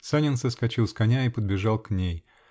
Санин соскочил с коня и подбежал к ней.